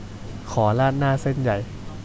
ขอราดหน้าเส้นใหญ่